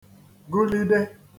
gụlidē